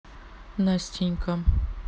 настенька